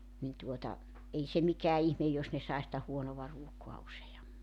niin tuota ei se mikään ihme jos ne sai sitä huonoa ruokaa useammin